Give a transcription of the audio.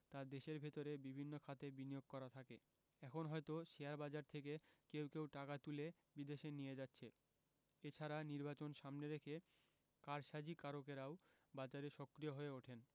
তা দেশের ভেতরে বিভিন্ন খাতে বিনিয়োগ করা থাকে এখন হয়তো শেয়ারবাজার থেকে কেউ কেউ টাকা তুলে বিদেশে নিয়ে যাচ্ছে এ ছাড়া নির্বাচন সামনে রেখে কারসাজিকারকেরাও বাজারে সক্রিয় হয়ে ওঠেন